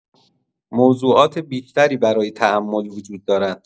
موضوعات بیشتری برای تامل وجود دارد.